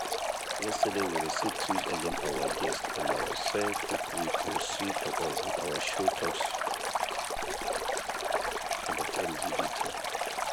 Yesterday we received threats against our guests and ourselves if we proceed with our talk show about LGBT.